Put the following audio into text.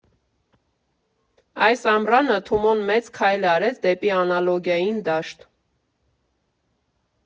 Այս ամռանը Թումոն մեծ քայլ արեց դեպի անալոգային դաշտ.